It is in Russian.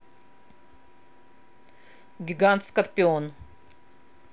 гигант скорпион